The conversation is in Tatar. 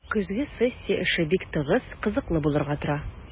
Көзге сессия эше бик тыгыз, кызыклы булырга тора.